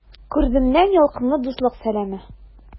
Күрдемнән ялкынлы дуслык сәламе!